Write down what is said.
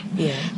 Ie.